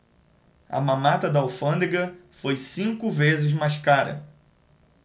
a mamata da alfândega foi cinco vezes mais cara